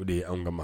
O de ye' anw ka ma